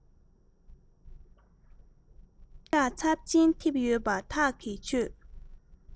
ཉམས ཆག ཚབས ཆེན ཐེབས ཡོད པ ཐག གིས ཆོད